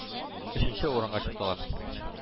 Өченче урынга чыктылар.